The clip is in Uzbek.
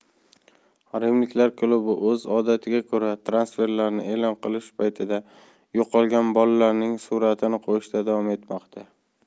rimliklar klubi o'z odatiga ko'ra transferlarni e'lon qilish paytida yo'qolgan bolalarning suratini qo'yishda davom etmoqda